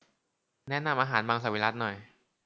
แนะนำอาหารมังสวิรัติหน่อย